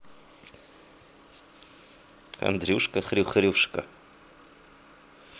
андрюшка хрю хрюшка